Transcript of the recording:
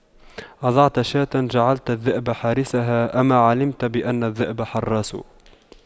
أضعت شاة جعلت الذئب حارسها أما علمت بأن الذئب حراس